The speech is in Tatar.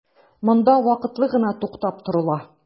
Монда вакытлы гына туктап торыла.